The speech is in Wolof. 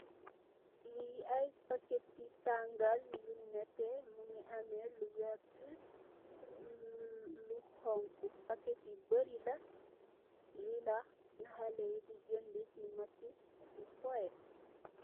Li ay packet ti tangal yu bari mungi ame lu werta lu honku packet yu bari la. Lila haleh yi de jënda di matchi.